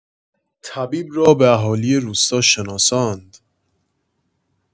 طبیب را به اهالی روستا شناساند